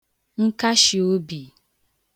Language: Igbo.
nkashìobì